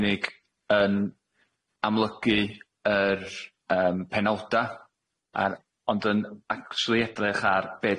unig yn amlygu yr yym penawda a'r ond yn acshyli edrych ar be'